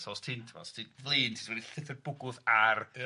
So os ti'n timod, os ti'n flin ti'n sgwennu llythyr bwgwth ar... ia